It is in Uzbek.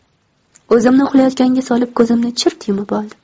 o'zimni uxlayotganga solib ko'zimni chirt yumib oldim